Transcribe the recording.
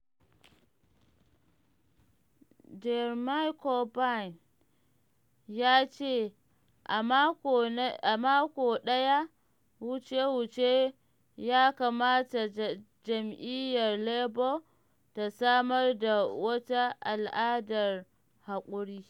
Jeremy Corbyn ya ce a mako da ya wuce cewa ya kamata jam’iyyar Labour ta samar da wata al’adar haƙuri.